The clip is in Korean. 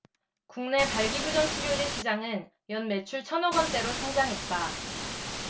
국내 발기부전치료제 시장은 연 매출 천 억원대로 성장했다